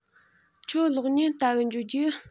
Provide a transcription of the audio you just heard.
ཁྱོད གློག བརྙན ལྟ གི འགྱོ རྒྱུ